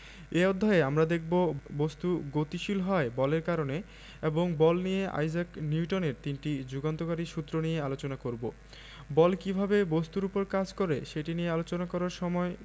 এই অধ্যায়ে আমরা দেখব বস্তু গতিশীল হয় বলের কারণে এবং বল নিয়ে আইজাক নিউটনের তিনটি যুগান্তকারী সূত্র নিয়ে আলোচনা করব বল কীভাবে বস্তুর উপর কাজ করে সেটি নিয়ে আলোচনা করার সময়